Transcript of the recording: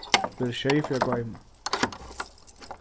vel sjey fyri at goyma